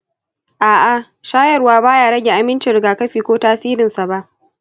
a'a, shayarwa ba ya rage amincin rigakafi ko tasirinsa ba.